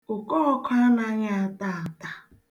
Okọọkụ anaghị ata ata.